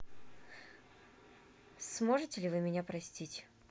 сможете ли вы меня простить